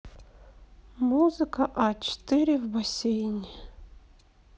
музыка а четыре в бассейне